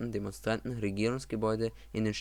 Demonstranten Regierungsgebäude in